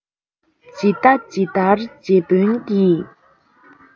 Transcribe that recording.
ཇི ལྟ ཇི ལྟར རྗེ དཔོན གྱིས